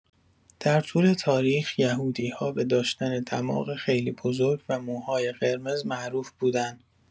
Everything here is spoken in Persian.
در طول تاریخ یهودی‌ها به داشتن دماغ خیلی بزرگ و موهای قرمز معروف بودن.